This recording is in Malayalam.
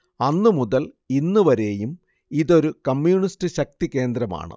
അന്നു മുതൽ ഇന്നു വരെയും ഇതൊരു കമ്മ്യൂണിസ്റ്റ് ശക്തി കേന്ദ്രമാണ്